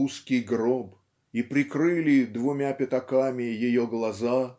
узкий гроб и прикрыли двумя пятаками ее глаза